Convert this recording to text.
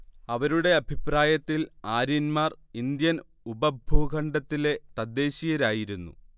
അവരുടെ അഭിപ്രായത്തിൽ ആര്യന്മാർ ഇന്ത്യൻ ഉപ ഭൂഖണ്ഡത്തിലെ തദ്ദേശീയരായിരുന്നു